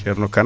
ceeno kane